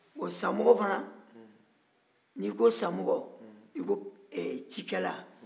o samɔgɔw fana n'i ka samɔgɔ i ko cikɛlaw